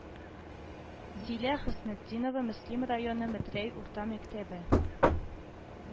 Зилә Хөснетдинова, Мөслим районы Метрәй урта мәктәбе